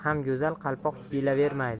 ham go'zal qalpoq kiyilavermaydi